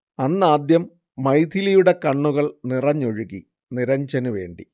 അന്നാദ്യം മൈഥിലിയുടെ കണ്ണുകൾ നിറഞ്ഞൊഴുകി നിരഞ്ജനു വേണ്ടി